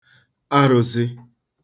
arụ̄sị̄